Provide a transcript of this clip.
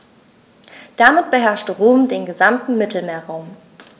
Damit beherrschte Rom den gesamten Mittelmeerraum.